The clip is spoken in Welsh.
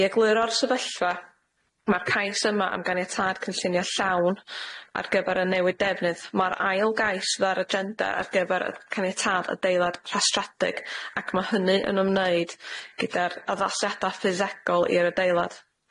I egluro'r sefyllfa ma'r cais yma am ganiatâd cynllunio llawn ar gyfer y newid defnydd ma'r ail gais a'r agenda ar gyfer y caniatâd adeilad rhastredig ac ma' hynny yn ymwneud gyda'r addasiada ffisegol i'r adeilad.